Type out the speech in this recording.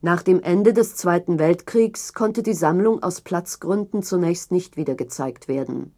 Nach dem Ende des Zweiten Weltkriegs konnte die Sammlung aus Platzgründen zunächst nicht wieder gezeigt werden.